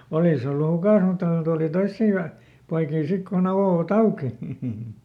olisi ollut hukassa mutta kun tuli toisia ja poikia sitten kun aukoivat auki